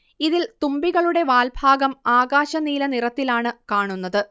ഇതിൽ തുമ്പികളുടെ വാൽ ഭാഗം ആകാശനീല നിറത്തിലാണ് കാണുന്നത്